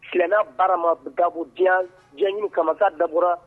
Silamɛya baara ma dabɔ diɲ ɲini kama sa a dabɔra